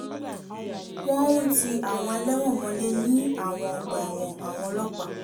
Wọ́n ń ti àwọn ẹlẹ́wọ̀n mọ́lé ní àwọn ọgbà ẹ̀wọ̀n àwọn ọlọ́pàá.